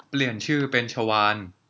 เปลี่ยนชื่อเป็นชวาล